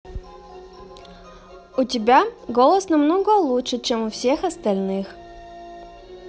у тебя голос намного лучше чем у всех остальных